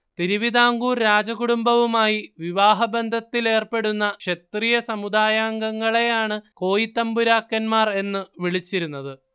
തിരുവിതാംകൂർ രാജകുടുംബവുമായി വിവാഹബന്ധത്തിലേർപ്പെടുന്ന ക്ഷത്രിയ സമുദായാംഗങ്ങളെയാണ് കോയിത്തമ്പുരാക്കന്മാർ എന്നു വിളിച്ചിരുന്നത്